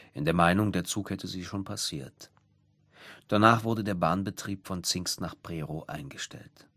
in der Meinung, der Zug hätte sie schon passiert. Danach wurde der Bahnbetrieb von Zingst nach Prerow eingestellt